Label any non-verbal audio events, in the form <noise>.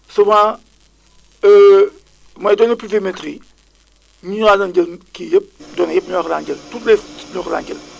souvent <hesitation> mooy données pluviométrique yi ñun ñoo daan jël kii yëpp <noise> données yëpp ñoo ko daan jël toutes les ñoo ko daan jël